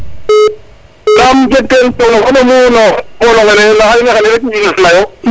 kam jeg ten cono fo ɗomu no ŋola ngene xaye rek i ndefa yo